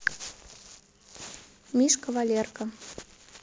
мишка валерка